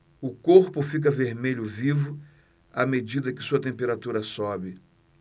o corpo fica vermelho vivo à medida que sua temperatura sobe